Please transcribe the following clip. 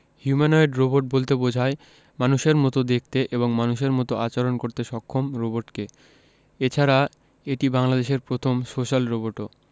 humanoid robot বলতে বোঝায় মানুষের মতো দেখতে এবং মানুষের মতো আচরণ করতে সক্ষম রোবটকে এছাড়া এটি বাংলাদেশের প্রথম সোশ্যাল রোবটও